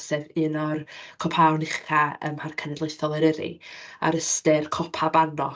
Sef un o'r copaon ucha ym Mharc Cenedlaethol Eryri, â'r ystyr "copa bannog".